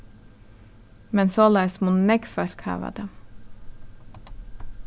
men soleiðis munnu nógv fólk hava tað